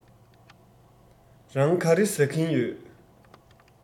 རང ག རེ ཟ གིན ཡོད